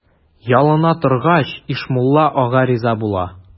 Ялына торгач, Ишмулла ага риза була.